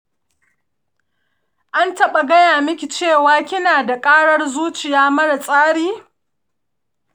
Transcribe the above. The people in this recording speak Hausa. an taɓa gaya miki cewa kinada ƙarar zuciya marar tsari?